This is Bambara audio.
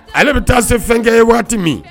Ale bɛ taa se fɛn kɛ ye waati min